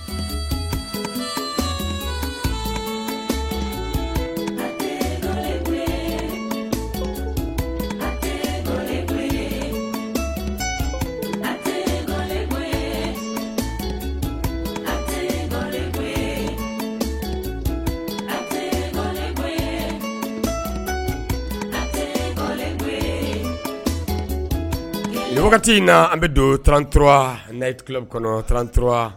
Gosi gosi gosi gosi gosi gosi wagati in na an bɛ don tto n kɔnɔ ttura wa